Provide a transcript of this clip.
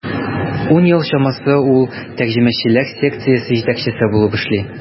Ун ел чамасы ул тәрҗемәчеләр секциясе җитәкчесе булып эшли.